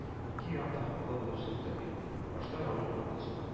Ике як та хаклы булып чыкты биредә. башта рауил галыч